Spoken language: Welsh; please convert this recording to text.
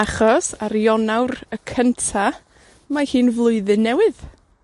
Achos, ar Ionawr y cynta, mae hi'n flwyddyn newydd.